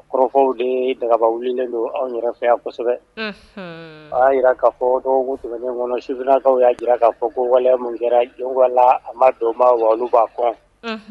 Kɔrɔfɔw de dagaba wililen don anw yɛrɛ fɛn yan kosɛbɛ. Unhun! An y'a jira k'a fɔ dɔgɔkun tɛmɛn kɔnɔ, sifinnakaw y'a jira k'a fɔ ko waleya min kɛra jɔn ko Ala a ma bɛn o ma wa olu b'a kɔn.